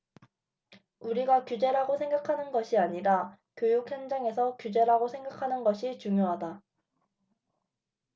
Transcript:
우리가 규제라고 생각하는 것이 아니라 교육 현장에서 규제라고 생각하는 것이 중요하다